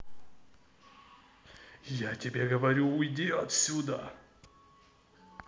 я тебе говорю уйди отсюда